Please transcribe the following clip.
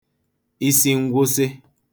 isingwụsị